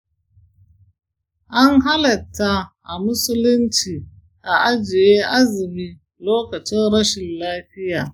an halatta a musulunci a ajiye azumi lokacin rashin lafiya.